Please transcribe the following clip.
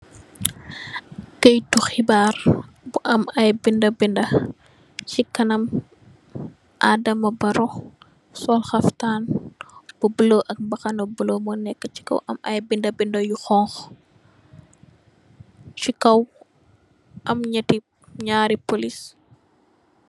Kaity hebarr bu am ai binda binda. Sikanam Adama Barrow sol kaftan bu bulo ak mahana bu bolo muneka si kaw am meh binda bimda yu honhu si kaw am nyarr ri police.